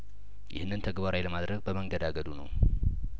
ይህንን ተግባራዊ ለማድረግ በመንገዳገዱ ነው